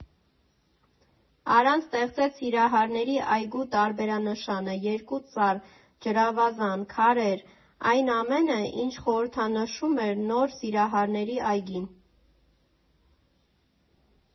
Արան ստեղծեց Սիրահարների այգու տարբերանշանը՝ երկու ծառ, ջրավազան, քարեր՝ այն ամենը, ինչ խորհրդանշում էր նոր Սիրահարների այգին։